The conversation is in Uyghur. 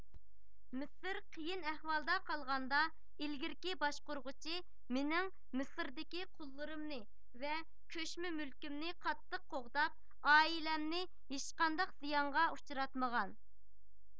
مىسىر قىيىن ئەھۋالدا قالغاندا ئىلگىرىكى باشقۇرغۇچى مېنىڭ مىسىردىكى قۇللىرىمنى ۋە كۆچمە مۈلكىمنى قاتتىق قوغداپ ئائىلەمنى ھېچقانداق زىيانغا ئۇچراتمىغان